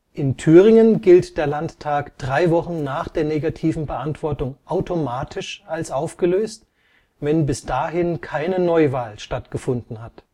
In Thüringen gilt der Landtag drei Wochen nach der negativen Beantwortung automatisch als aufgelöst, wenn bis dahin keine Neuwahl stattgefunden hat